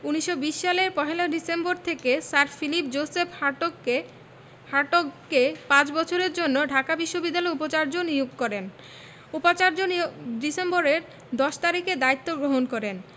১৯২০ সালের ১ ডিসেম্বর থেকে sir Philip Joseph হার্টগকে হার্টগকে পাঁচ বছরের জন্য ঢাকা বিশ্ববিদ্যালয়ের উপাচার্য নিয়োগ করেন উপাচার্য ডিসেম্বরের ১০ তারিখে দায়িত্ব গ্রহণ করেন